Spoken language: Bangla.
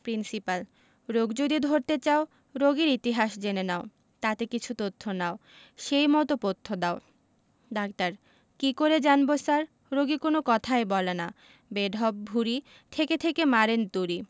প্রিন্সিপাল রোগ যদি ধরতে চাও রোগীর ইতিহাস জেনে নাও তাতে কিছু তথ্য নাও সেই মত পথ্য দাও ডাক্তার কি করে জানব স্যার রোগী কোন কথাই বলে না বেঢপ ভূঁড়ি থেকে থেকে মারেন তুড়ি